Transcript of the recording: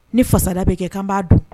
Ni fasaya bɛ kɛ'an b'a dun